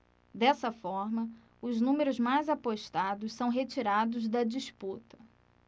dessa forma os números mais apostados são retirados da disputa